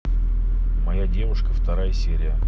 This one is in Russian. моя девушка вторая серия